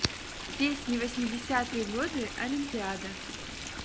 песни восьмидесятые годы олимпиада